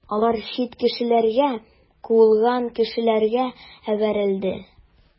Алар чит кешеләргә, куылган кешеләргә әверелде.